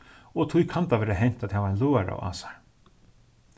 og tí kann tað verða hent at hava ein løðara á sær